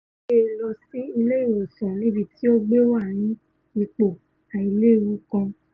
Wọ́n gbé e lọsí ilé-ìwòsàn níbití ó gbé wà ní ipò ''àìléwu'' kan.